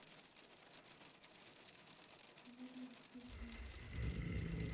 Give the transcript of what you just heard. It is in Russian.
команда мстителей